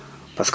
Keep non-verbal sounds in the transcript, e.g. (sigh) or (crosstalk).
(hesitation) (hesitation)